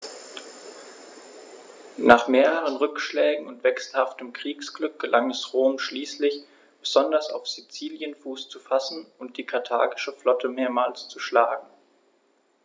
Nach mehreren Rückschlägen und wechselhaftem Kriegsglück gelang es Rom schließlich, besonders auf Sizilien Fuß zu fassen und die karthagische Flotte mehrmals zu schlagen.